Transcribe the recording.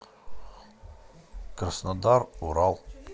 краснодар урал